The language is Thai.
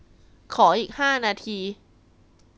ขออีกห้านาที